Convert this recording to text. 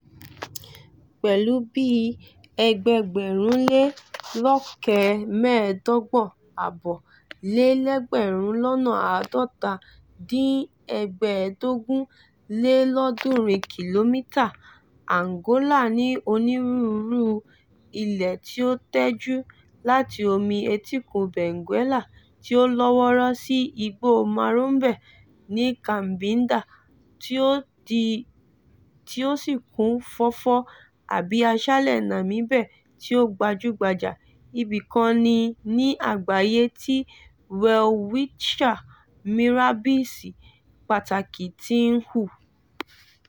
Pẹ̀lú bíi 1,246,700 km2, Angola ní onírúurú ilẹ̀ tí ó tẹ́jú, láti omi etíkun Benguela tí ó lọ́wọ́rọ́ sí igbó Maiombe ní Cabinda tí ó dí tí ó sì kún fọ́fọ́ àbí aṣálẹ̀ Namibe tí ó gbajúgbajà, ibìkan ní ni àgbáyé tí welwitschia mirabilis pàtàkì ti ń hù.